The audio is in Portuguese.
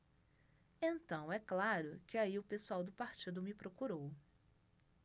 então é claro que aí o pessoal do partido me procurou